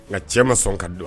Nka cɛ ma sɔn ka don.